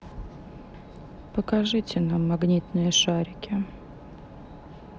покажите нам магнитные шарики